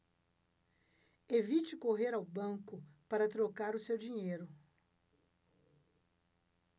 evite correr ao banco para trocar o seu dinheiro